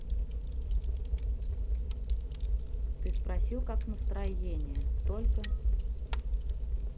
ты спросил как настроение только